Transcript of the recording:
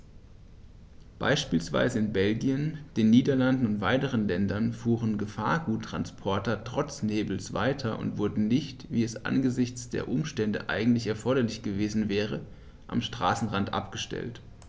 Beispielsweise in Belgien, den Niederlanden und weiteren Ländern fuhren Gefahrguttransporter trotz Nebels weiter und wurden nicht, wie es angesichts der Umstände eigentlich erforderlich gewesen wäre, am Straßenrand abgestellt.